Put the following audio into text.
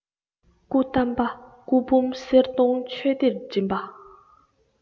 སྐུ གཏམས པ སྐུ འབུམ གསེར སྡོང ཆོས སྡེར འགྲིམས པ